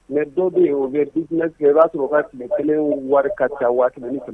Mais dɔ bɛ yen o bɛ business kɛ i b'a sɔrɔ ka tile kelen wari ka ca wa kelen ni kɛmɛ